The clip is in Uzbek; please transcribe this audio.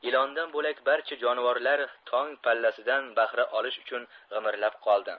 ilondan bo'lak barcha jonivorlar tong pallasidan bahra olish uchun g'imirlab qoldi